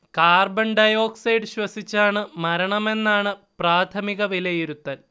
carbon dioxide ശ്വസിച്ചാണ് മരണമെന്നാണ് പ്രാഥമിക വിലയിരുത്തൽ